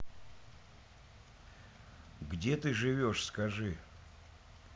где ты живешь скажи